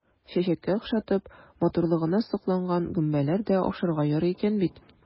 Чәчәккә охшатып, матурлыгына сокланган гөмбәләр дә ашарга ярый икән бит!